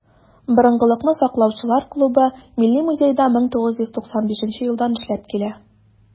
"борынгылыкны саклаучылар" клубы милли музейда 1995 елдан эшләп килә.